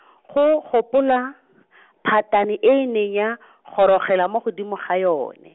go gopola , phatane e e ne ya, gorogela mo godimo ga yone.